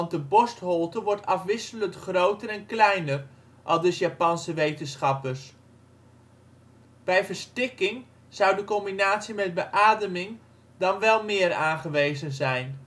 de borstholte wordt afwisselend groter en kleiner, aldus Japanse wetenschappers. Bij verstikking zou de combinatie met beademing dan wel meer aangewezen zijn